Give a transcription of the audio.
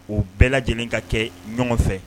O bɛɛ lajɛlen ka kɛ ɲɔgɔn fɛ